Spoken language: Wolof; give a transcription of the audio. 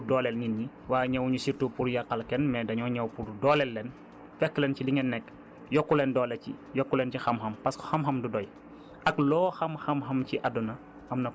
donc loolu tamit nit ñi war nañ cee bàyyi xel bu baax a baax parce que programme yi moom dañoo ñëw rekk pour dooleel nit ñi waaye ñëwuñu surtout pour yàqal kenn mais dañoo ñëw pour dooleel leen fekk leen ci li ngeen nekk yokk leen doole ci yokk leen ci xam-xam